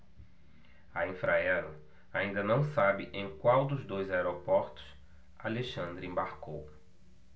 a infraero ainda não sabe em qual dos dois aeroportos alexandre embarcou